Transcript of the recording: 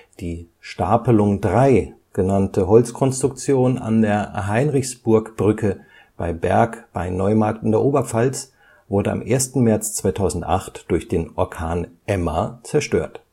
Die Stapelung 3 genannte Holzkonstruktion an der Heinrichsburgbrücke bei Berg bei Neumarkt in der Oberpfalz wurde am 1. März 2008 durch den Orkan Emma zerstört